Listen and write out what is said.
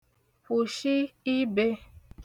kwụ̀shị ibē